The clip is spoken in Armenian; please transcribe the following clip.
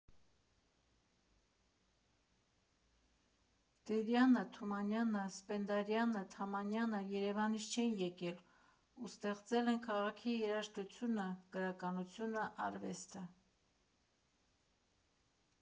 Տերյանը, Թումանյանը, Սպենդիարյանը, Թամանյանը Երևանից չէին՝ եկել ու ստեղծել են քաղաքի երաժշտությունը, գրականությունը, արվեստը։